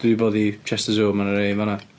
Dwi 'di bod i Chester Zoo, mae 'na rhai yn fan'na.